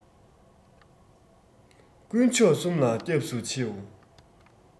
ཀུན མཆོག གསུམ ལ སྐྱབས སུ འཆིའོ